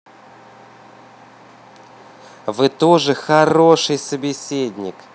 вы тоже хороший собеседник